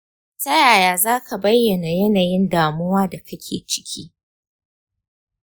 ta yaya zaka bayyana yanayin damuwa da kake ciki?